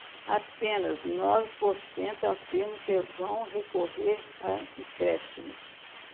apenas nove por cento afirmam que vão recorrer a empréstimos